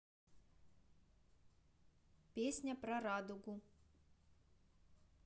песня про радугу